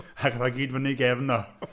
Ac oedd o gyd fyny i gefn o.